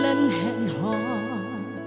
lần